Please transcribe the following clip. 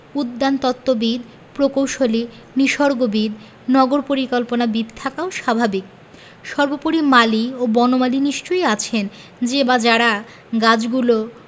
উদ্যানতত্ত্ববিদ প্রকৌশলী নিসর্গবিদ নগর পরিকল্পনাবিদ থাকাও স্বাভাবিক সর্বোপরি মালি ও বনমালী নিশ্চয়ই আছেন যে বা যারা গাছগুলো